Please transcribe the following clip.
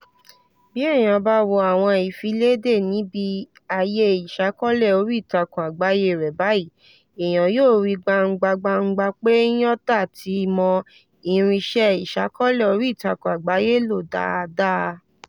Bí èèyàn bá wo àwọn ìfiléde níbi àyè ìṣàkọọ́lẹ̀ oríìtakùn àgbáyé rẹ̀ báyìí, èèyàn yóò ríi gbangba gbàǹgbà pé Nyota ti mọ irinṣẹ́ ìṣàkọọ́lẹ̀ oríìtakùn àgbáyé lò dáadáa.